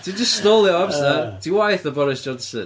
Ti jyst stolio amser... O! ...ti'n waeth na Boris Johnson.